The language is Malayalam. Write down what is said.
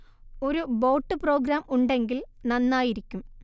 ഒരു ബോട്ട് പ്രോഗ്രാം ഉണ്ടെങ്കിൽ നന്നായിരിക്കും